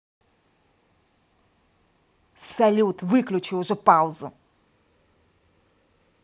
салют выключи уже паузу